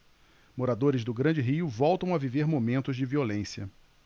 moradores do grande rio voltam a viver momentos de violência